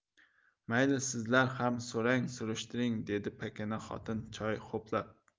mayli sizlar ham so'rang surishtiring dedi pakana xotin choy ho'plab